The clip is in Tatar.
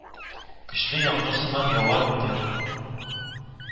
Көчле яңгыр сыман явар үтәр